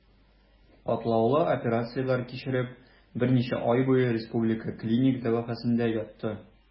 Катлаулы операцияләр кичереп, берничә ай буе Республика клиник дәваханәсендә ятты.